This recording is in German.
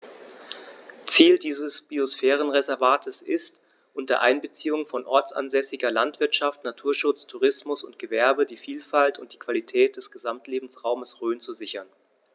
Ziel dieses Biosphärenreservates ist, unter Einbeziehung von ortsansässiger Landwirtschaft, Naturschutz, Tourismus und Gewerbe die Vielfalt und die Qualität des Gesamtlebensraumes Rhön zu sichern.